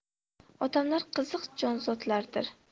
odamlar qiziq jonzotlardir